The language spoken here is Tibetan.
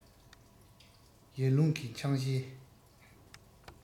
ཡར ཀླུང གིས ཆང གཞས